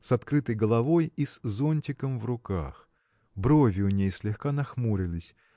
с открытой головой и с зонтиком в руках. Брови у ней слегка нахмурились.